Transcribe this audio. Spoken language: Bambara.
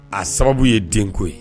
A sababu ye denko ye